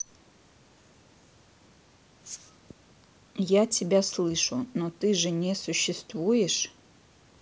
я тебя слышу но ты же не существуешь